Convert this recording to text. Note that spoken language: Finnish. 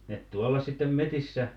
ne tuolla sitten metsissä